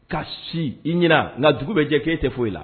Ka si i ɲin nka dugu bɛ jɛ'e tɛ foyi i la